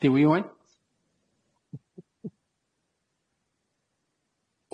Dewi ŵan?